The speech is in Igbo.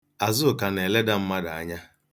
Azụka na-elede mmadụ anya.